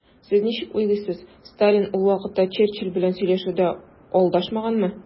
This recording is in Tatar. Сез ничек уйлыйсыз, Сталин ул вакытта Черчилль белән сөйләшүдә алдашмаганмы?